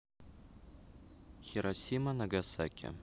хиросима нагасаки